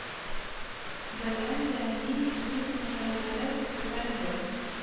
Белән тәэмин итү мәсьәләләре күтәрелде